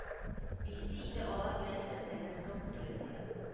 Биисе иде алар белән сәхнәнең кыл түрендә